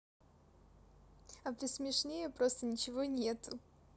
а посмешнее просто ничего нету